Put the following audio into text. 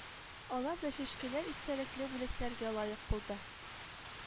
Алар да чәчкәләр истәлекле бүләкләргә лаек булды